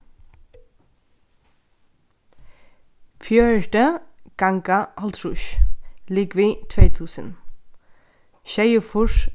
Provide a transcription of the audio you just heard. fjøruti ganga hálvtrýss ligvið tvey túsund sjeyogfýrs